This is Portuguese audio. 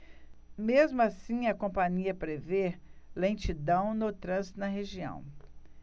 mesmo assim a companhia prevê lentidão no trânsito na região